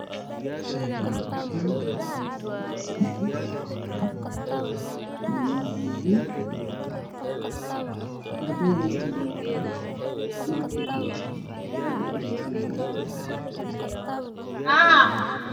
Waa arday iskool joogo wataan dhar jaalo buluug gen ka dambeeyo waa caddaan